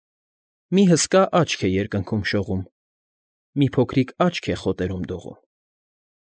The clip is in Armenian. Մի հսկա աչք է Երկնքում շողում, Մի փոքրիկ աչք է խոտերում դողում։